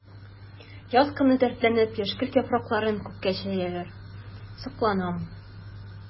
Яз көне дәртләнеп яшькелт яфракчыкларын күккә чөяләр— сокланам.